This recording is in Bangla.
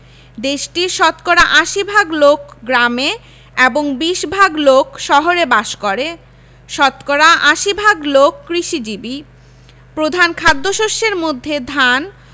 দেশটির শতকরা ৮০ ভাগ লোক গ্রামে এবং ২০ ভাগ লোক শহরে বাস করে শতকরা ৭০ ভাগ লোক কৃষিজীবী প্রধান খাদ্যশস্যের মধ্যে ধান